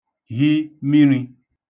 hi miṙī